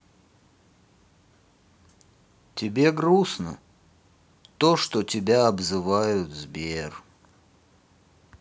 тебе грустно то что тебя обзывают сбер